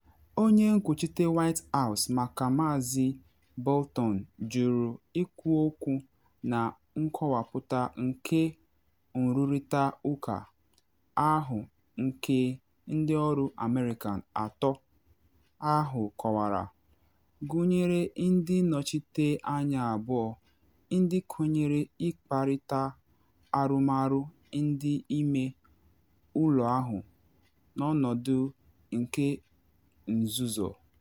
Onye nkwuchite White House maka Maazị Bolton jụrụ ikwu okwu na nkọwapụta nke nrụrịta ụka ahụ nke ndị ọrụ America atọ ahụ kọwara, gụnyere ndị nnọchite anya abụọ, ndị kwenyere ịkparịta arụmarụ ndị ime ụlọ ahụ n’ọnọdụ nke nzuzo.